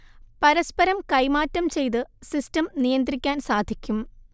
പരസ്പരം കൈമാറ്റം ചെയ്ത് സിസ്റ്റം നിയന്ത്രിക്കാൻ സാധിക്കും